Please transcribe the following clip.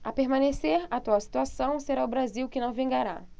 a permanecer a atual situação será o brasil que não vingará